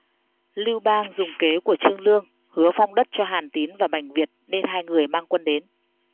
lưu bang dùng kế của trương lương hứa phong đất cho hàn tín và bành việt nên hai người mang quân đến